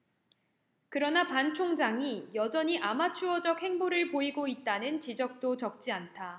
그러나 반 총장이 여전히 아마추어적 행보를 보이고 있다는 지적도 적지 않다